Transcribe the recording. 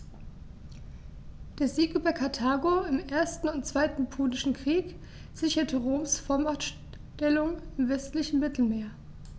Der Sieg über Karthago im 1. und 2. Punischen Krieg sicherte Roms Vormachtstellung im westlichen Mittelmeer.